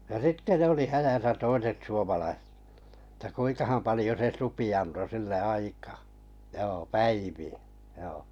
ja sitten ne oli hädässä toiset - että kuinkahan paljon se supi antoi sille aikaa joo päiviä joo